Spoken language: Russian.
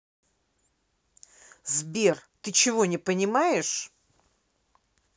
сбер ты чего не понимаешь